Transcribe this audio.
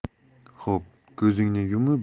xo'p ko'zingni yumib